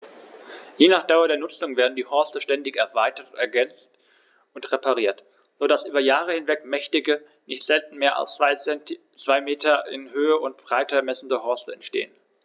Je nach Dauer der Nutzung werden die Horste ständig erweitert, ergänzt und repariert, so dass über Jahre hinweg mächtige, nicht selten mehr als zwei Meter in Höhe und Breite messende Horste entstehen.